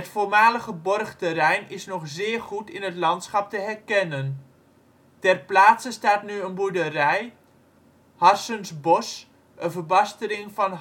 voormalige borgterrein is nog zeer goed in het landschap te herkennen. Ter plaatse staat nu een boerderij, Harssensbosch (een verbastering van